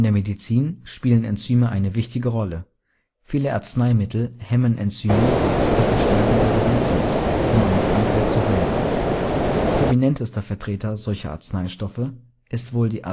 Medizin spielen Enzyme eine wichtige Rolle. Viele Arzneimittel hemmen Enzyme oder verstärken ihre Wirkung, um eine Krankheit zu heilen. Prominentester Vertreter solcher Arzneistoffe ist wohl die